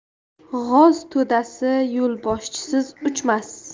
g'oz to'dasi yo'lboshchisiz uchmas